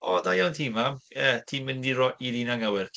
O, da iawn ti, Mam. Ie, ti'n mynd i'r ro- i'r un anghywir.